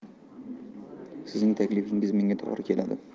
sizning taklifingiz menga to'g'ri keladi